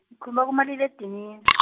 ngikhuluma kumaliledinini .